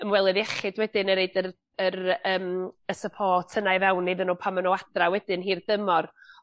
Ymwelydd iechyd wedyn y' roid yr yr yym y support yn i fewn iddyn n'w pan ma' n'w adra wedyn hi'r dymor.